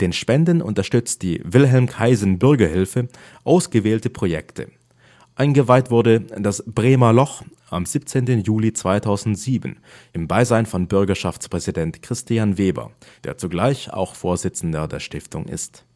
Spenden unterstützt die Wilhelm-Kaisen-Bürgerhilfe ausgewählte Projekte. Eingeweiht wurde das „ Bremer Loch “am 27. Juli 2007 im Beisein von Bürgerschaftspräsident Christian Weber, der zugleich auch Vorsitzender der Stiftung ist